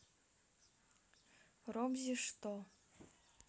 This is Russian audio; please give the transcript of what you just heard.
robzi что